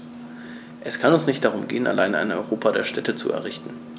Es kann uns nicht darum gehen, allein ein Europa der Städte zu errichten.